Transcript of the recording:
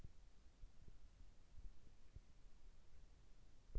меня сергей дочь катя